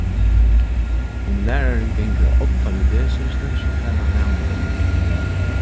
um lærarin gongur á odda við lesingini so fær hann næmingarnar við